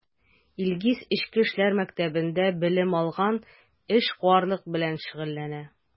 Илгиз Эчке эшләр мәктәбендә белем алган, эшкуарлык белән шөгыльләнә.